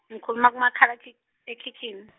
ngikhuluma kumakhalek- ekhikhin-.